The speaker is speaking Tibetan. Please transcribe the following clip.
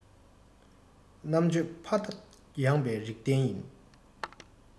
རྣམ དཔྱོད ཕ མཐའ ཡངས པའི རིག ལྡན ཡིན